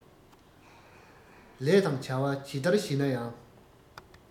ལས དང བྱ བ ཇི ལྟར བྱེད ན ཡང